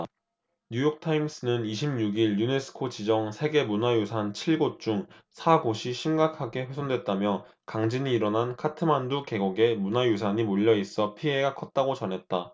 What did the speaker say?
뉴욕타임스는 이십 육 일 유네스코 지정 세계문화유산 칠 곳 중 사 곳이 심각하게 훼손됐다며 강진이 일어난 카트만두 계곡에 문화유산이 몰려 있어 피해가 컸다고 전했다